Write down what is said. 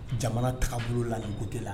Jamana ta bolo layikode la